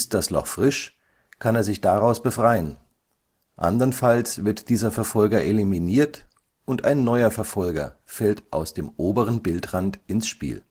das Loch frisch, kann er sich daraus befreien, andernfalls wird dieser Verfolger eliminiert, und ein neuer Verfolger fällt aus dem oberen Bildrand ins Spiel